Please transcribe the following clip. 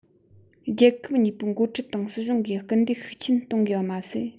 རྒྱལ ཁབ གཉིས པོའི འགོ ཁྲིད དང སྲིད གཞུང གིས སྐུལ འདེད ཤུགས ཆེན གཏོང དགོས པ མ ཟད